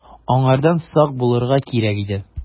Аңардан сак булырга кирәк иде.